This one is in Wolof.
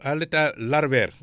à l' état larvaire